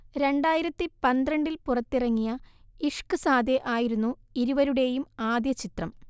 രണ്ടായിരത്തി പന്ത്രണ്ടിൽ പുറത്തിറങ്ങിയ ഇഷ്ഖ്സാദെ ആയിരുന്നു ഇരുവരുടെയും ആദ്യ ചിത്രം